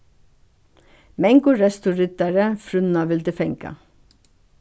mangur reystur riddari frúnna vildi fanga